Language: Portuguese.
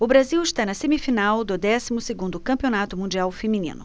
o brasil está na semifinal do décimo segundo campeonato mundial feminino